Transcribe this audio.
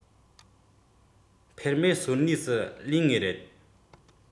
ད ཅི འདྲ ང ལ གསལ བཤད པའི གནས ཚུལ དེ བསམ བློ ཐོངས པ ཁོ ཐག རེད